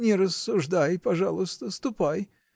-- Не рассуждай, пожалуйста, ступай.